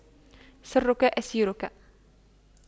سرك أسيرك